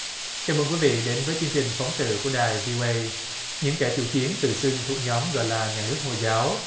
chào mừng quý vị đến với chương trình phóng sự của đài vi ô ây những kẻ chủ chiến tự xưng thuộc nhóm gọi là nhà nước hồi giáo